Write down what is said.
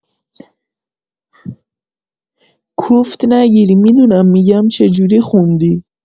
کوفت نگیری می‌دونم می‌گم چجوری خوندی